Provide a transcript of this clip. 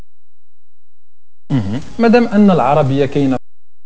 مدام ان العربيه